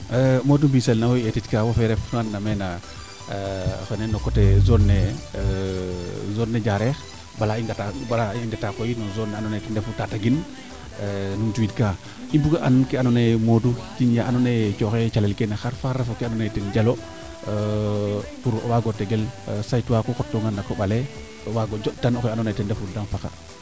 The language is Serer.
Modou Mbisele no wo i etit kaa wo fee refan na meen o xene no cote zone ne Diarekh bala i ndeta a koy no Zone ando nayee ten refu Tataguine i numtu wiid kaa i mbuga an kee ando nayee Modou yaa ando naye cooxe calel ke xar fo xar no kee ando naye ten jalo pour o waago tegel saytuwa ku xotona na koɓale o waago jontan oxe ando naye ten refu Dane Sakho